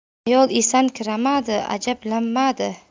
ayol esankiramadi ajablanmadi